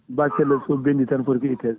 basalle o so ɓendi tan foti ko ittede